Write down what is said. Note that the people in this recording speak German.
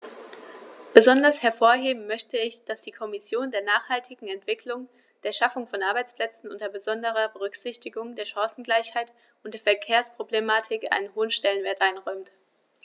Besonders hervorheben möchte ich, dass die Kommission der nachhaltigen Entwicklung, der Schaffung von Arbeitsplätzen unter besonderer Berücksichtigung der Chancengleichheit und der Verkehrsproblematik einen hohen Stellenwert einräumt.